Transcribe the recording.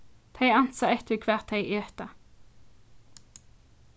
tey ansa eftir hvat tey eta